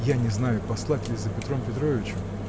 Я не знаю, послать ли за Петром Петровичем?.